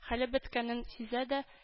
Хәле беткәнен сизсә дә